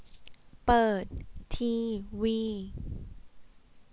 เปิดทีวี